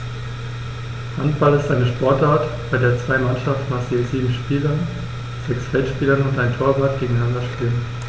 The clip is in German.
Handball ist eine Sportart, bei der zwei Mannschaften aus je sieben Spielern (sechs Feldspieler und ein Torwart) gegeneinander spielen.